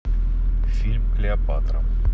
фильм клеопатра